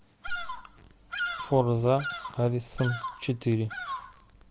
форза харизон четыре